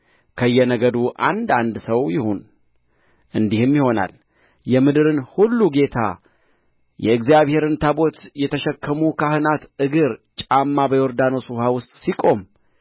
ከየነገዱ አንድ አንድ ሰው ይሁን እንዲህም ይሆናል የምድርን ሁሉ ጌታ የእግዚአብሔርን ታቦት የተሸከሙ ካህናት እግር ጫማ በዮርዳኖስ ውኃ ውስጥ ሲቆም